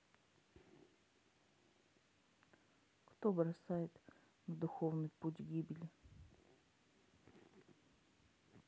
кто бросает на духовный путь гибели